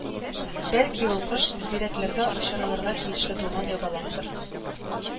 Бәлки ул кош зирәкләргә очырылырга тиешле булган ябалактыр